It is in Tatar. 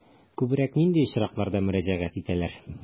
Күбрәк нинди очракларда мөрәҗәгать итәләр?